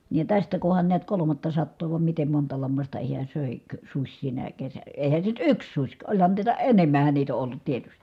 niin ja tästä kunhan näet kolmattasataa vai miten monta lammasta hän - söikö susi sinä - eihän se nyt yksi susi ka olihan niitä enemmähän niitä on ollut tietysti